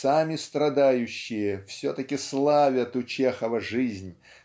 сами страдающие все-таки славят у Чехова жизнь